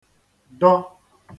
-dọ